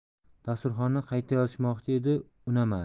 dasturxonni qayta yozishmoqchi edi unamadi